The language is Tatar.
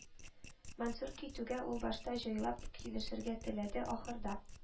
Мансур китүгә, ул башта җайлап килешергә теләде, ахырда,